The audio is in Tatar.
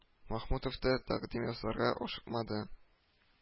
Мәхмүтов тә тәкъдим ясарга ашыкмады